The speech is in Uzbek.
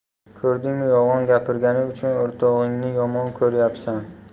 ko'rdingmi yolg'on gapirgani uchun o'rtog'ingni yomon ko'ryapsan